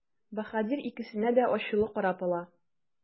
Баһадир икесенә дә ачулы карап ала.